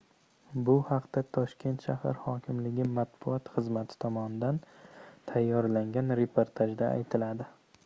bu haqda toshkent shahar hokimligi matbuot xizmati tomonidan tayyorlangan reportajda aytiladi